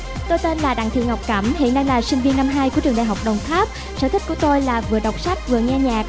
tôi tên là đặng thị ngọc cẩm hiện nay là sinh viên năm hai của trường đại học đồng tháp sở thích của tôi là vừa đọc sách vừa nghe nhạc